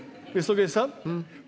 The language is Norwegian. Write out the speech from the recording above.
viss dokker sant.